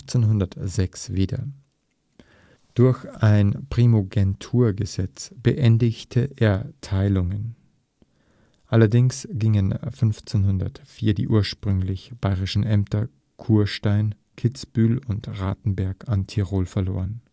1506 wieder. Durch ein Primogeniturgesetz beendete er die Teilungen. Allerdings gingen 1504 die ursprünglich bayerischen Ämter Kufstein, Kitzbühel und Rattenberg an Tirol verloren